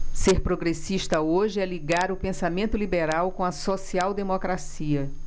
ser progressista hoje é ligar o pensamento liberal com a social democracia